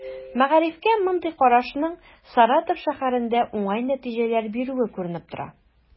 Мәгарифкә мондый карашның Саратов шәһәрендә уңай нәтиҗәләр бирүе күренеп тора.